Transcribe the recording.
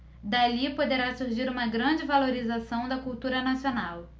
dali poderá surgir uma grande valorização da cultura nacional